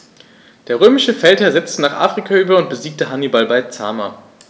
Der römische Feldherr setzte nach Afrika über und besiegte Hannibal bei Zama.